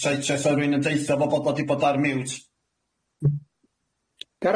Saith sa rywun yn deutha fo bo bod o di bod ar miwt. Gareth?